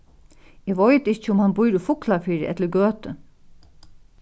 eg veit ikki um hann býr í fuglafirði ella í gøtu